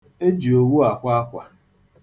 E ji owu akwa akwa.